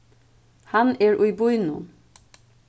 hann er í býnum